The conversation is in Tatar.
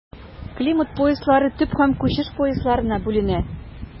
Климат пояслары төп һәм күчеш поясларына бүленә.